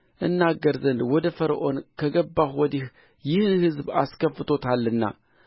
እናገር ዘንድ ወደ ፈርዖን ከገባሁ ወዲህ ይህን ሕዝብ አስከፍቶታልና